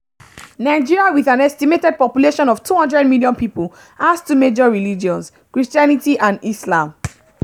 Nigeria, with an estimated population of 200 million people, has two major religions: Christianity and Islam.